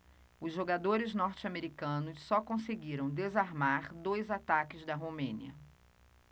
os jogadores norte-americanos só conseguiram desarmar dois ataques da romênia